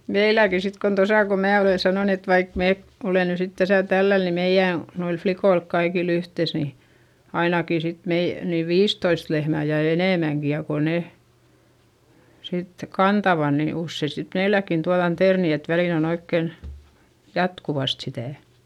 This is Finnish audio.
meilläkin sitten kun tuossa kun minä olen sanonut että vaikka me olemme nyt sitten tässä tällä lailla niin meidän noilla likoilla kaikilla yhteensä niin ainakin sitten - niin viisitoista lehmää ja enemmänkin ja kun ne sitten kantavat niin usein sitten meilläkin tuodaan terniä että väliin on oikein jatkuvasti sitä